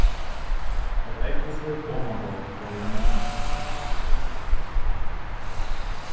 eitt ógvusligt omanlop var í mykinesi